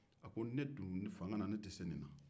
ne dun tɛ se nin na fanga na